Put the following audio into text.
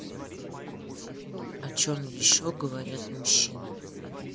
о чем еще говорят мужчины